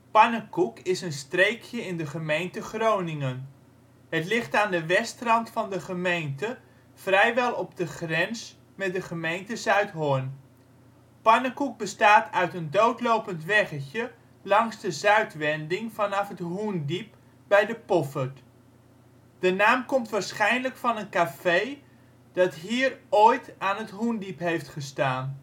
Pannekoek is een streekje in de gemeente Groningen. Het ligt aan de westrand van de gemeente, vrijwel op de grens met de gemeente Zuidhorn. Pannekoek bestaat uit een doodlopend weggetje langs de Zuidwending vanaf het Hoendiep bij de Poffert. De naam komt waarschijnlijk van een café dat hier ooit aan het Hoendiep heeft gestaan